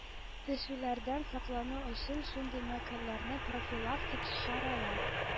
Төшүләрдән саклану өчен, шундый мәкальләрне профилактик чаралар